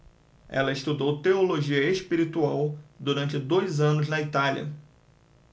ela estudou teologia espiritual durante dois anos na itália